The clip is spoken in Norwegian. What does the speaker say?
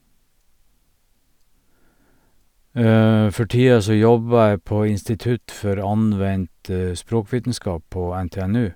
For tida så jobber jeg på institutt for anvendt språkvitenskap på NTNU.